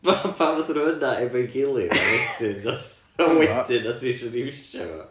pa- pam nathon nhw yna efo'n gilydd a wedyn nath... a wedyn nath hi sediwsio fo?